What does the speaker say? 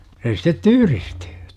ne sitten tyyristyy